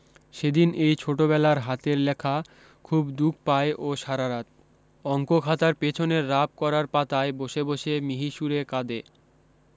সেদিন এই ছোটোবেলার হাতের লেখা খুব দুখ পায় ও সারারাত অঙ্কখাতার পেছনের রাফ করার পাতায় বসে বসে মিহিসুরে কাঁদে